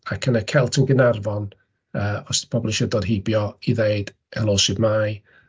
Ac yn y Celt yn Gaernarfon os ydy pobl isio dod heibio i ddweud helo, su'mai.